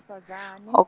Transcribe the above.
-sifazane.